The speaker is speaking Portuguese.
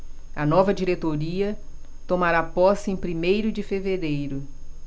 a nova diretoria tomará posse em primeiro de fevereiro